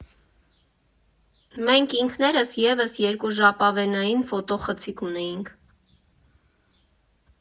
Մենք ինքներս ևս երկու ժապավենային ֆոտոխցիկ ունեինք։